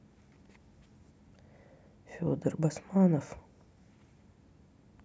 федор басманов